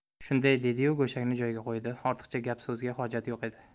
shunday dedi yu go'shakni joyiga qo'ydi ortiqcha gap so'zga hojat yo'q edi